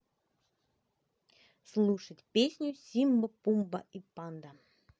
слушать песню симба пумба и панда